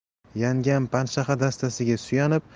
yangam panshaxa dastasiga